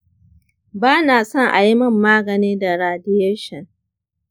ba na son a yi min magani da radiation.